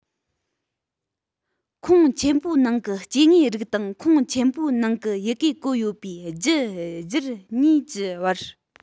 ཁོངས ཆེན པོའི ནང གི སྐྱེ དངོས རིགས དང ཁོངས ཆེན པོའི ནང གི ཡི གེར བཀོད ཡོད པའི རྒྱུད འགྱུར གཉིས ཀྱི བར